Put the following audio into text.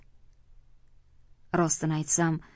rostini aytsam